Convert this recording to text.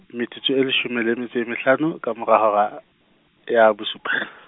metsotso e leshome le metso e mehlano, ka mora hora , ya bosupa.